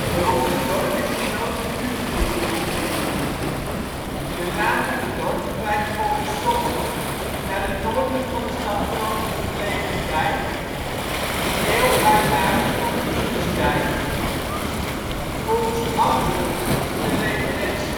Rond het dorp is een groot natuurgebied in ontwikkeling. De naam van het dorp verwijst volgens sommigen naar de noordelijk van de stad Groningen gelegen dijk, die deel uitmaakte van Innersdijk. Volgens anderen is het een referentie